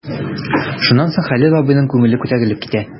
Шуннан соң Хәлил абыйның күңеле күтәрелеп китә.